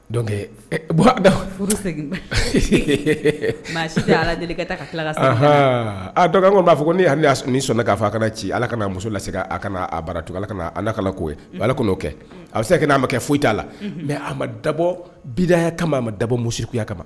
Maa ala dɔgɔ b'a fɔ ko ni'a sun sɔnna k'a fɔ ka ci ala kana' muso lase a bara to ala ka ala ko ala'o kɛ a bɛ se ka' ma kɛ foyi'a la mɛ a ma dabɔ bida kama a ma dabɔ misikuya kama